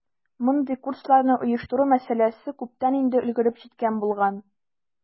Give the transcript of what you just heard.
Мондый курсларны оештыру мәсьәләсе күптән инде өлгереп җиткән булган.